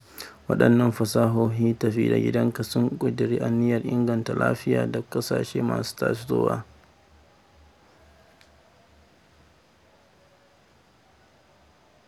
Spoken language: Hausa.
Waɗannan fasahohin tafi da gidanka sun ƙudiri aniyar inganta kula da lafiya a ƙasashe masu tasowa.